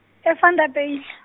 eVanderbijl .